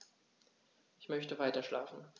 Ich möchte weiterschlafen.